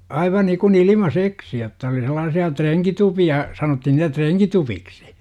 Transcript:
aivan niin kuin ilmaiseksi jotta oli sellaisia renkitupia sanottiin sitä renkituviksi